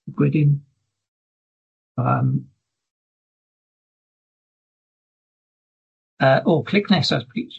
Ag wedyn o yym yy o clic nesaf plîs...